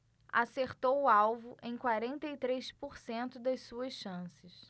acertou o alvo em quarenta e três por cento das suas chances